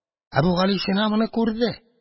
Әбүгалисина моны күрде,